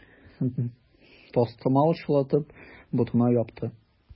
Тастымал чылатып, ботына япты.